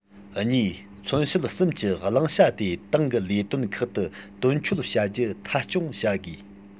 གཉིས མཚོན བྱེད གསུམ གྱི བླང བྱ དེ ཏང གི ལས དོན ཁག ཏུ དོན འཁྱོལ བྱ རྒྱུ མཐའ འཁྱོངས བྱ དགོས